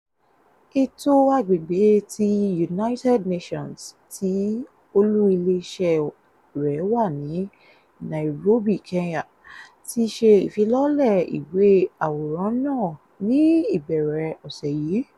Ètò Agbègbè tí United Nations, tí olú ilé-iṣẹ́ rẹ̀ wà ní Nairobi, Kenya ti ṣe ìfilọ́lẹ̀ ìwé àwòrán náà ní ìbẹ̀rẹ̀ ọ̀sẹ̀ yìí.